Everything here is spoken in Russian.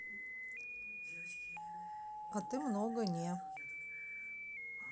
а ты много не